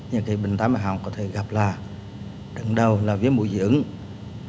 những cái bệnh tai mũi họng có thể gặp là đứng đầu là viêm mũi dị ứng